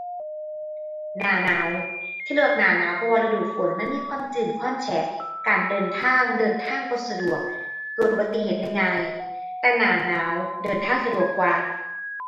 หน้าหนาว ที่เลือกหน้าหนาวเพราะว่าฤดูฝนมันมีความจื้นความแฉะ การเดินทาง เดินทางบ่สะดวกเกิดอุบัติเหตุได้ง่าย แต่หน้าหนาวเดินทางสะดวกกว่า